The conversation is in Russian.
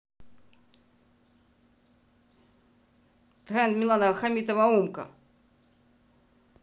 тренд милана хамитова умка